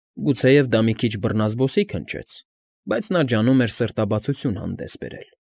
Գուցեև դա մի քիչ բռնազբոսիկ հնչեց, բայց նա ջանում էր սրտաբացություն հանդես բերել։